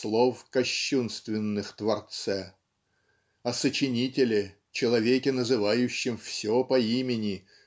слов кощунственных творце" о "сочинителе человеке называющем все по имени